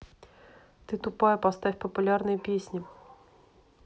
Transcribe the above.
ты тупая поставь популярные песни